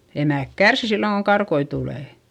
emät kärsii silloin kun karkkoja tulee